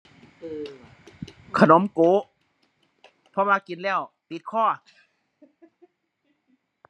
ขนมโก๋ เพราะว่ากินแล้วติดคอ